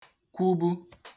kwubu